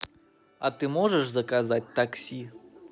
а ты можешь заказать такси